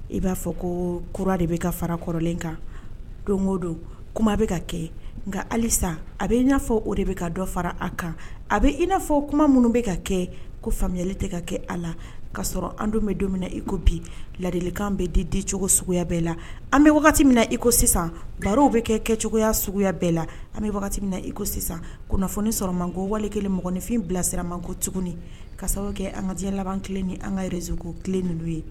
I b'a fɔ ko kura de bɛ ka fara kɔrɔlen kan don o don kuma bɛ ka kɛ nka halisa a bɛ i n'afɔ o de bɛ ka dɔ fara a kan a bɛ i n'a fɔ kuma minnu bɛ ka kɛ ko faamuyali tɛ ka kɛ a la ka sɔrɔ an don bɛ don min na iko bi ladilikan bɛ di dicogo suguya bɛɛ la an bɛ wagati min na iko sisan law bɛ kɛ kɛ cogoyaya suguya bɛɛ la an bɛ wagati min iko sisan kunnafoni sɔrɔ man ko wali kelen mɔgɔninfin bilasiraman ko tuguni ka sababu kɛ an ka ji laban kelen ni an ka yɛrɛzko tile ninnu ye